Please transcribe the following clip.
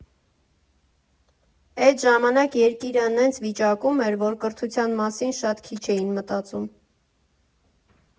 Էդ ժամանակ երկիրը նենց վիճակում էր, որ կրթության մասին շատ քիչ էին մտածում.